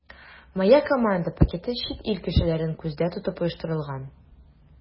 “моя команда” пакеты чит ил кешеләрен күздә тотып оештырылган.